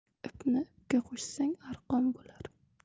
ipni ipga qo'shsang arqon bo'lar